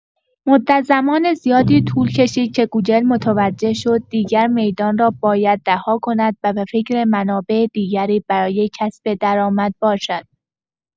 مدت‌زمان زیادی طول کشید که گوگل متوجه شد، دیگر میدان را باید رها کند و به فکر منابع دیگری برای کسب درآمد باشد.